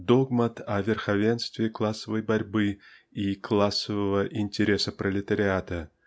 догмат о верховенстве классовой борьбы и "классового интереса пролетариата"